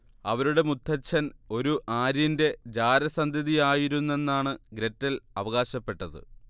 അവരുടെ മുത്തച്ഛൻ ഒരു ആര്യന്റെ ജാരസന്തതിയായിരുന്നെന്നാണ് ഗ്രെറ്റൽ അവകാശപ്പെട്ടത്